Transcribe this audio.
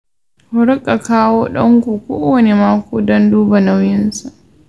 ku riƙa kawo ɗanku kowane mako don duba nauyinsa.